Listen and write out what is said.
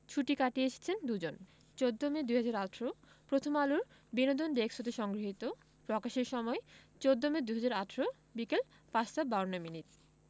ছুটি কাটিয়ে এসেছেন দুজন ১৪ই মে ২০১৮ প্রথমআলোর বিনোদন ডেস্কথেকে সংগ্রহীত প্রকাশের সময় ১৪মে ২০১৮ বিকেল ৫টা ৫২ মিনিট